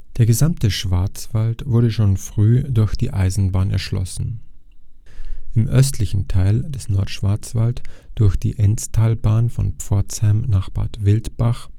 Der gesamte Schwarzwald wurde schon früh durch die Eisenbahn erschlossen. Im östlichen Teil des Nordschwarzwald durch die Enztalbahn von Pforzheim nach Bad Wildbad